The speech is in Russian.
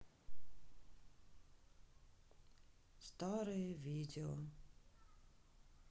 старые видео